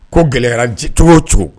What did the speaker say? Ko gɛlɛyara ncicogo cogo